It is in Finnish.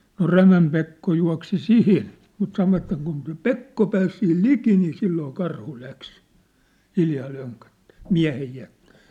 no Rämän Pekko juoksi siihen mutta sanoivat että kun se Pekko pääsi siihen liki niin silloin karhu lähti hiljaa lönköttämään miehen jätti